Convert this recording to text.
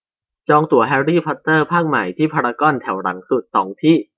จองตั๋วแฮรี่พอตเตอร์ภาคใหม่ที่พารากอนแถวหลังสุดสองที่